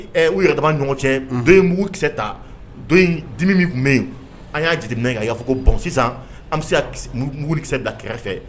U yɛrɛdama ɲɔgɔn cɛ don in mugu kikisɛsɛ ta dimi min tun bɛ yen an y'a jigin kan a y'a fɔ bɔn sisan an bɛ se kaugu kikisɛ da kɛrɛfɛ